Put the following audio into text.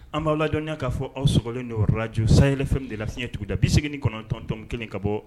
An b'aw lajya k'a fɔ aw sogolen deyɔrɔlaj sayɛlɛfɛn de lasecɲɛ tuguda bise9tɔntɔn kelen ka bɔ